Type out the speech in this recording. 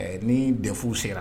Ni defu sera